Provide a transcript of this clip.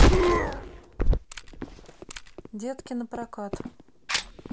детки на прокат